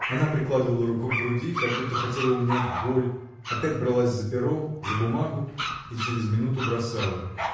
Она прикладывала руку к груди, как будто хотела унять боль, опять бралась за перо, за бумагу и через минуту бросала.